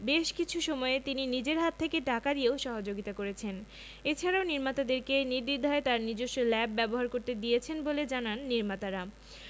বেশ কিছু সময়ে তিনি নিজের হাত থেকে টাকা দিয়েও সহযোগিতা করেছেন এছাড়াও নির্মাতাদেরকে নির্দ্বিধায় তার নিজস্ব ল্যাব ব্যবহার করতে দিয়েছেন বলে জানান নির্মাতারা